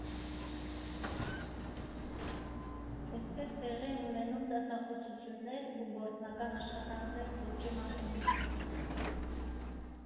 Այստեղ տեղի են ունենում դասախոսություններ ու գործնական աշխատանքներ սուրճի մասին։